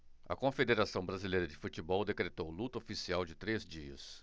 a confederação brasileira de futebol decretou luto oficial de três dias